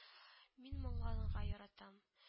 Мин моңанырга яратам